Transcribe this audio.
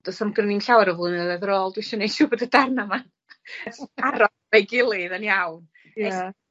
do's o'm gynnon ni llawer o flynyddoedd ar ôl dwi isia neu' siw' bod y darn yma yn aros 'fo'i gilydd yn iawn. Ie.